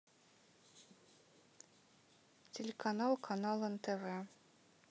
телеканал канал нтв